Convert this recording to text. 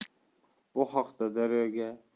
bu haqda daryo ga